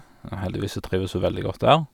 Og heldigvis så trives hun veldig godt der.